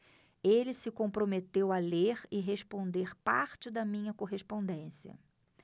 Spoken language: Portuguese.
ele se comprometeu a ler e responder parte da minha correspondência